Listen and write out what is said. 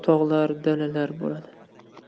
tog'lar dalalar bo'ladi